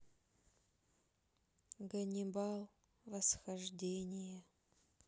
ганнибал восхождение